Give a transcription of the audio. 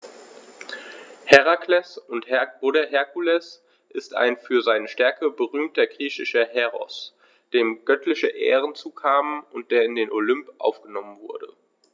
Herakles oder Herkules ist ein für seine Stärke berühmter griechischer Heros, dem göttliche Ehren zukamen und der in den Olymp aufgenommen wurde.